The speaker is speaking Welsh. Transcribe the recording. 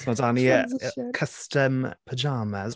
Felly mae 'da ni... transition ...yy custom pyjamas.